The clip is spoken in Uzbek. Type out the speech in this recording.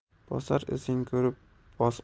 bosar izing ko'rib bos